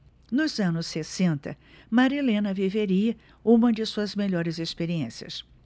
nos anos sessenta marilena viveria uma de suas melhores experiências